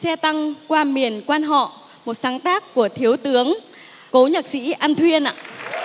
xe tăng qua miền quan họ một sáng tác của thiếu tướng cố nhạc sĩ an thuyên ạ